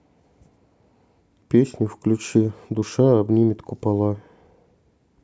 песню включи душа обнимет купола